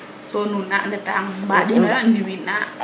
so nuun na ndeta mbaɗino yo ndi wiin na